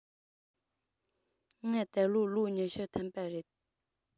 ང ད ལོ ལོ ཉི ཤུ ཐམ པ རེད